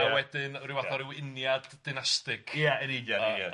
a wedyn ryw fath o ryw uniad dynastig? Ia yn union ie.